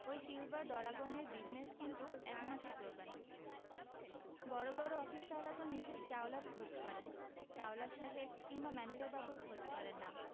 ওই সিলভার ডরাগনের বিজনেস কিন্তু একমাসও চলবে না বড় বড় অফিসাররা তো মিসেস চাওলার খোঁজ করেন চাওলা সাহেব কিংবা ম্যানেজারবাবুর খোঁজ করেন না